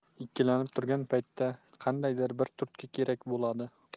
ikkilanib turgan paytda qandaydir bir turtki kerak bo'ladi